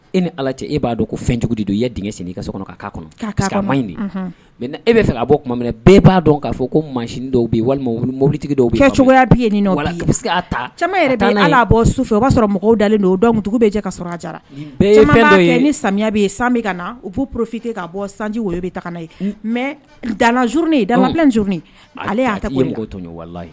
E ni ala cɛ e b'a dɔn ko fɛnjugudi don i ye d sen i ka so kɔnɔ kɔnɔ mɛ e'a fɛ bɔ tuma bɛɛ b'a dɔn k'a fɔ ko ma dɔw bɛ walima mobilitigi dɔw bɛ kɛ cogoyaya ala bɔfɛ o b'a sɔrɔ mɔgɔw dalen don otigiw bɛ jɛ ka jara ni sami bɛ san ka u b'o porofin ka bɔ sanji bɛ taa' ye mɛ dalan zurununi ye dalan zurununi ale'a ye